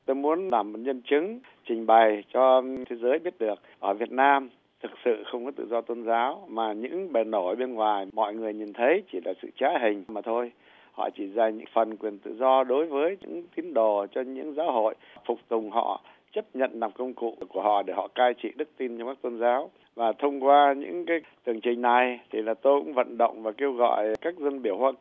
tôi muốn làm nhân chứng trình bày cho thế giới biết được ở việt nam thực sự không có tự do tôn giáo mà những bề nổi bên ngoài mọi người nhìn thấy chỉ là sự trá hình mà thôi họ chỉ giành thị phần quyền tự do đối với tín đồ cho những giáo hội phục tùng họ chấp nhận làm công cụ của họ để họ cai trị đức tin tôn giáo và thông qua cái tường truyền này thì tôi cũng vận động và kêu gọi các dân biểu hoa